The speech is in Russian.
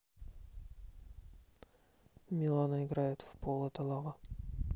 милана играет в пол это лава